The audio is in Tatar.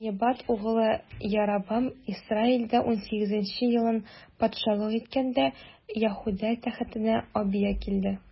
Небат углы Яробам Исраилдә унсигезенче елын патшалык иткәндә, Яһүдә тәхетенә Абия килде.